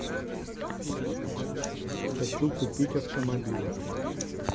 хочу купить автомобиль